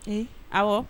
Ee aw